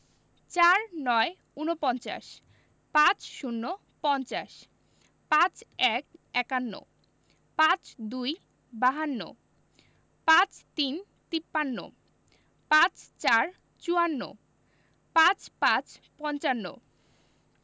৪৯ – উনপঞ্চাশ ৫০ - পঞ্চাশ ৫১ – একান্ন ৫২ - বাহান্ন ৫৩ - তিপ্পান্ন ৫৪ - চুয়ান্ন ৫৫ – পঞ্চান্ন